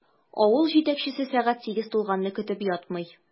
Авыл җитәкчесе сәгать сигез тулганны көтеп ятмый.